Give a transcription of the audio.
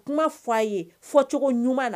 Kuma fɔ a ye fɔ cogo ɲuman na